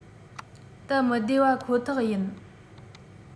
སྟབ མི བདེ བ ཁོ ཐག ཡིན